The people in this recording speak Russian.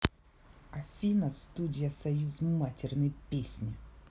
афина студия союз матерные песни